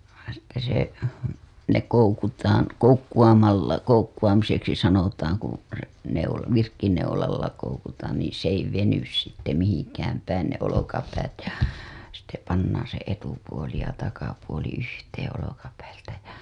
sitten se ne koukutaan koukkuamalla koukkuamiseksi sanotaan kun se - virkkuuneulalla koukutaan niin se ei veny sitten mihinkään päin ne olkapäät ja sitten pannaan se etupuoli ja takapuoli yhteen olkapäiltä ja